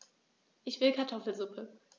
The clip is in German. Ich will Kartoffelsuppe.